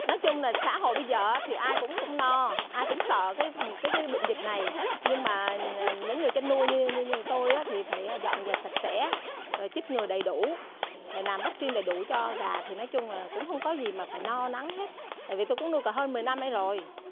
nói chung là xã hội bây giờ thì ai cũng cũng no ai cũng sợ gây phòng cách ly bệnh dịch này nhưng mà những người chăn nuôi như nhà tôi thì phải dọn dẹp sạch sẽ rồi chích ngừa đầy đủ để làm vắc xin đầy đủ cho gà thì nói chung là cũng không có gì mà phải lo lắng hết tại vì tôi cũng nuôi cá hơn mười năm nay rồi